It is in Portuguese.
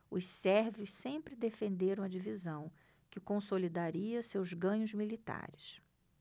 os sérvios sempre defenderam a divisão que consolidaria seus ganhos militares